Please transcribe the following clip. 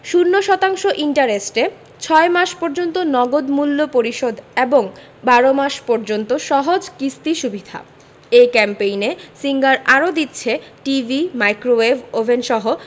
০% ইন্টারেস্টে ৬ মাস পর্যন্ত নগদ মূল্য পরিশোধ এবং ১২ মাস পর্যন্ত সহজ কিস্তি সুবিধা এই ক্যাম্পেইনে সিঙ্গার আরো দিচ্ছে টিভি মাইক্রোওয়েভ ওভেনসহ